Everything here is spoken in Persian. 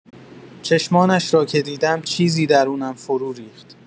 چشمانش را که دیدم، چیزی درونم فرو ریخت.